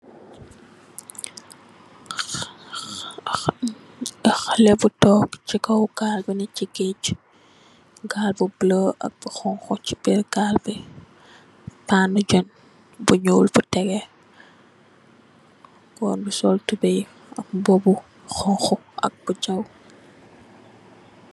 Xaleh bu tonke se kaw gaal bu nee se geej gaal bu bulo ak bu xonxo che birr gaal be pano jeen bu nuul bu tegeh goor bu sol tubaye ak muba xonxo ak bu jaw.